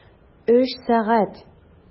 Өч сәгать!